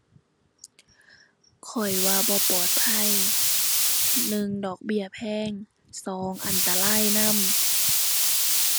ข้อยว่าบ่ปลอดภัย หนึ่งดอกเบี้ยแพง สองอันตรายนำ